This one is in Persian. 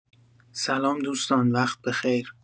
سلام دوستان وقت بخیر